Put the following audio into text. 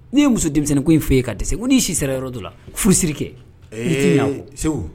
N'i ye muso denmisɛnnin in fɔ ye ka di se ko n'i si sera yɔrɔ don la furusiri kɛ segu